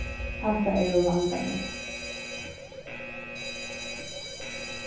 hatta eru vandarnir